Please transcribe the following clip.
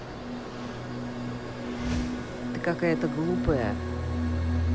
ты какая то глупая